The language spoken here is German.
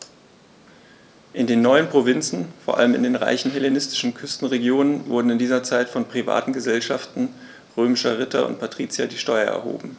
In den neuen Provinzen, vor allem in den reichen hellenistischen Küstenregionen, wurden in dieser Zeit von privaten „Gesellschaften“ römischer Ritter und Patrizier die Steuern erhoben.